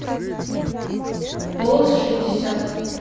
голос шестьдесят